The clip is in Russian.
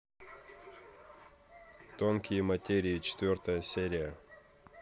тонкие материи четвертая серия